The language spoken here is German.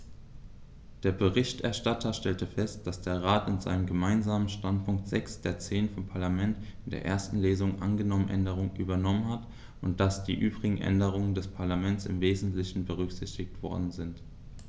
Der Berichterstatter stellte fest, dass der Rat in seinem Gemeinsamen Standpunkt sechs der zehn vom Parlament in der ersten Lesung angenommenen Änderungen übernommen hat und dass die übrigen Änderungen des Parlaments im wesentlichen berücksichtigt worden sind.